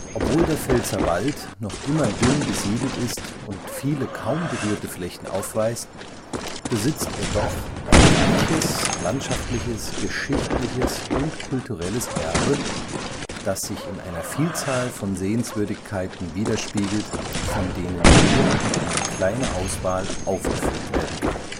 Obwohl der Pfälzerwald noch immer dünn besiedelt ist und viele kaum berührte Flächen aufweist, besitzt er doch ein reiches landschaftliches, geschichtliches und kulturelles Erbe, das sich in einer Vielzahl von Sehenswürdigkeiten widerspiegelt, von denen hier nur eine kleine Auswahl aufgeführt werden kann